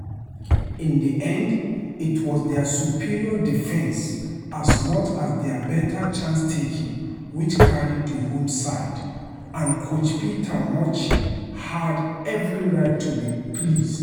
In the end, it was their superior defense, as much as their better chance-taking, which carried the home side and coach Peter Murchie had every right to be pleased.